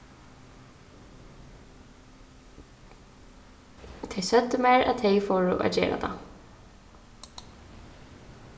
tey søgdu mær at tey fóru at gera tað